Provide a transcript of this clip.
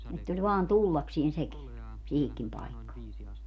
että oli vain tullakseen sekin siihenkin paikkaan